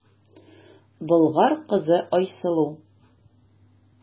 Болгар кызы Айсылу.